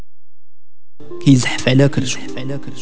ازحف لك